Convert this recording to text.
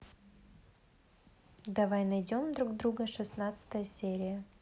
давай найдем друг друга шестнадцатая серия